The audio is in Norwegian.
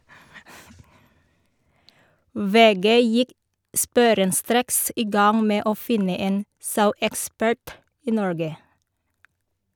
VG gikk sporenstreks i gang med å finne en sauekspert i Norge.